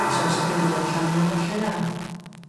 Os o's 'a deulu allan yna felly a